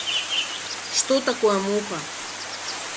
что такое муха